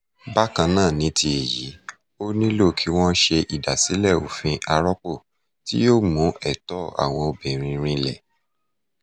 Bákan náà ni ti èyí, ó nílò kí wọ́n ṣe ìdásílẹ̀ òfin arọ́pò tí yóò mú ẹ̀tọ́ àwọn obìnrin rinlẹ̀.